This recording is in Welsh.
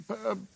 b- yy